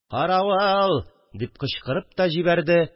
– каравыл!! – дип кычкырып та җибәрде